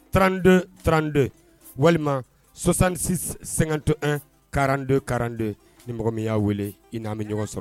32 32 walima 66 51 42 42 ni mɔgɔ min y'a wele i n'an bɛ ɲɔgɔn sɔrɔ.